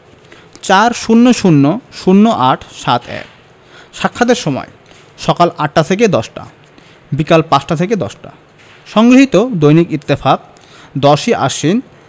৪০০০৮৭১ সাক্ষাতের সময়ঃসকাল ৮টা থেকে ১০টা - বিকাল ৫টা থেকে ১০টা সংগৃহীত দৈনিক ইত্তেফাক ১০ই আশ্বিন